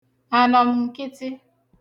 ànọ̀m̀ǹkịtị